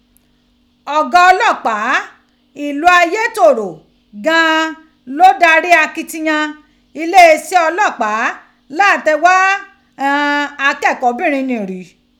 Ọga ọlọpaa ilu Ayetoro gan an lo dari akitiyan ileeṣẹ ọlọpaa lati gha ighan akẹkọnbinrin ni rii.